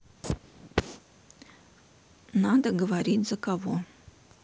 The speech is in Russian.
надо говорить за кого